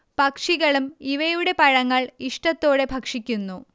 പക്ഷികളും ഇവയുടെ പഴങ്ങൾ ഇഷ്ടത്തോടെ ഭക്ഷിക്കുന്നു